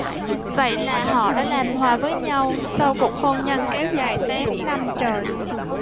vậy là họ đã làm hòa với nhau sau cuộc hôn nhân kéo dài tám năm trời